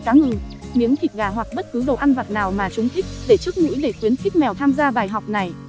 để trước mũi để khuyến khích mèo tham gia bài học này